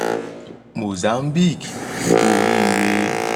Mozambique, kú oríire!